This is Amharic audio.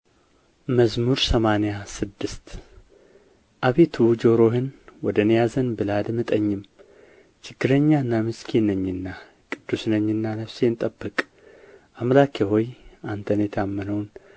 መዝሙር ሰማንያ ስድስት አቤቱ ጆሮህን ወደ እኔ አዘንብል አድምጠኝም ችግረኛና ምስኪን ነኝና ቅዱስ ነኝና ነፍሴን ጠብቅ አምላኬ ሆይ አንተን የታመነውን